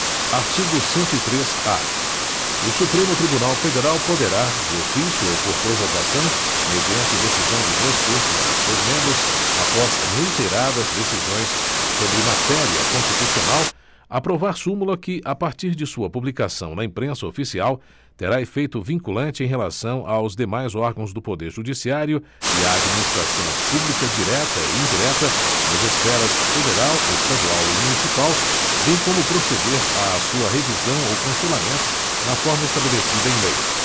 artigo cento e três a o supremo tribunal federal poderá de ofício ou por provocação mediante decisão de dois terços dos seus membros após reiteradas decisões sobre matéria constitucional aprovar súmula que a partir de sua publicação na imprensa oficial terá efeito vinculante em relação aos demais órgãos do poder judiciário e á administração pública direta e indireta nas esferas federal estadual e municipal bem como proceder á sua revisão ou cancelamento na forma estabelecida em lei